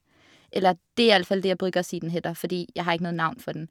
Eller, det er iallfall det jeg bruker å si den heter, fordi jeg har ikke noe navn for den.